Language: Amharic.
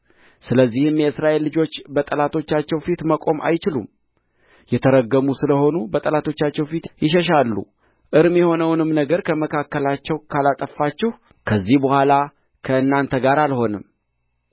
ስለዚህም የእስራኤል ልጆች በጠላቶቻቸው ፊት መቆም አይችሉም የተረገሙ ስለ ሆኑ በጠላቶቻቸው ፊት ይሸሻሉ እርም የሆነውንም ነገር ከመካከላችሁ ካላጠፋችሁ ከዚህ በኋላ ከእናንተ ጋር አልሆንም